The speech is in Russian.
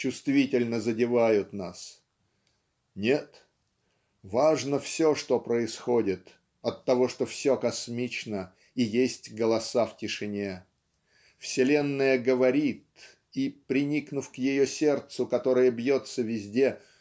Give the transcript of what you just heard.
чувствительно задевают нас нет важно все что происходит оттого что все космично и есть голоса в тишине. Вселенная говорит и приникнув к ее сердцу которое бьется везде